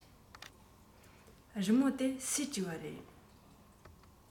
རི མོ དེ སུས བྲིས པ རེད